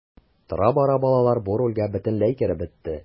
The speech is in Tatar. Тора-бара балалар бу рольгә бөтенләй кереп бетте.